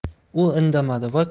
u indamadi va